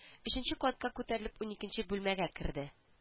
Өченче катка күтәрелеп уникенче бүлмәгә керде